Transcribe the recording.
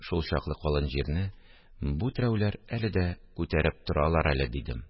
Шулчаклы калын җирне бу терәүләр әле дә күтәреп торалар әле, – дидем